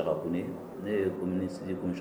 Ne ye siri kun